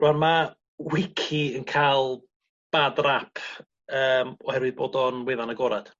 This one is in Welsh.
ma' wici yn ca'l bad rap yym oherwydd bod o'n wefan agorad.